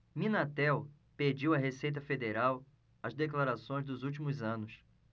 minatel pediu à receita federal as declarações dos últimos anos